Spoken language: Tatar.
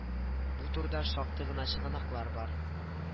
Бу турыда шактый гына чыганаклар бар